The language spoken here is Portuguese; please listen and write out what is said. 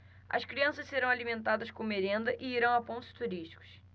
as crianças serão alimentadas com merenda e irão a pontos turísticos